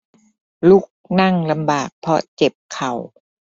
ลุกนั่งลำบากเพราะเจ็บเข่า